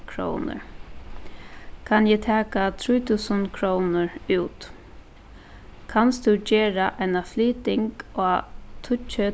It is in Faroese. krónur kann eg taka trý túsund krónur út kanst tú gera eina flyting á tíggju